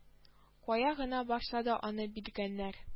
Кая гына барса да аны битгәннәр